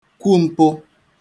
kwu mpụ